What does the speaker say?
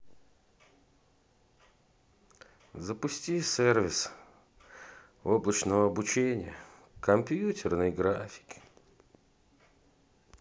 запусти сервис облачного обучения компьютерной графики